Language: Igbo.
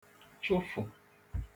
chụfụ